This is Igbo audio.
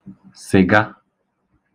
sị̀ga